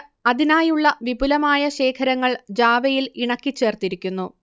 അതിനായുള്ള വിപുലമായ ശേഖരങ്ങൾ ജാവയിൽ ഇണക്കിച്ചേർത്തിരിക്കുന്നു